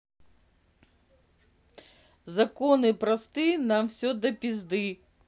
законы просты нам все до пизды